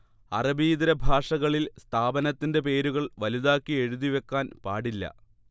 അറബിയിതര ഭാഷകളിൽ സ്ഥാപനത്തിന്റെ പേരുകൾ വലുതാക്കി എഴുതി വെക്കാൻ പാടില്ല